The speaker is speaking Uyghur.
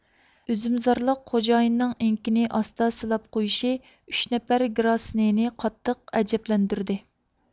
ئۈزۈمزارلىق خوجايىنىنىڭ ئېڭىكىنى ئاستا سىلاپ قويۇشى ئۈچ نەپەر گراسنېنى قاتتىق ئەجەبلەندۈردى